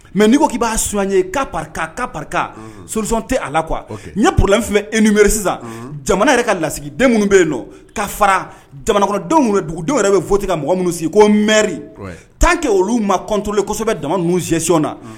Mɛ n'i' b'a son ye ka so tɛ a la qu ɲɛ purllenfɛ eiri sisan jamana yɛrɛ ka lasigi den minnu bɛ yen kaa fara jamanadenw dugudenw yɛrɛ bɛ fo ka mɔgɔ minnu sigi ko mri tan kɛ olu ma kɔntɔnlen kɔsɔsɛbɛbɛ dama ninnu sɛy na